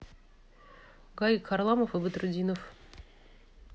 гарик харламов и батрутдинов